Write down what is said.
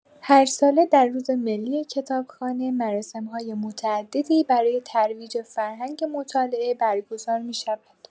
هرساله در روز ملی کتابخانه، مراسم‌های متعددی برای ترویج فرهنگ مطالعه برگزار می‌شود.